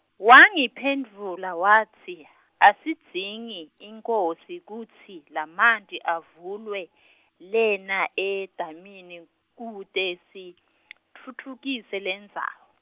Wangiphendvula watsi, asidzingi, inkhosi kutsi, lamanti avulwe , lena edamini, kute, sitfutfukise lendzawo.